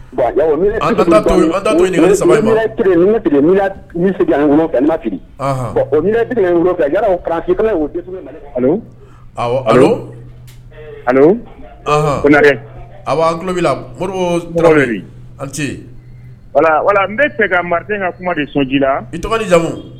Ani'an an wala wala n bɛ se ka masakɛ ka kuma sonji la i tɔgɔ jamumu